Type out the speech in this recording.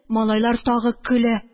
Малайлар тагы көлә.